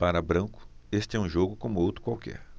para branco este é um jogo como outro qualquer